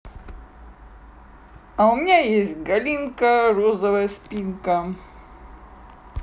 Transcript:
а у меня есть галинка розовая спинка